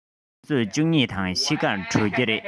ཆུ ཚོད བཅུ གཉིས དང ཕྱེད ཀར གྲོལ གྱི རེད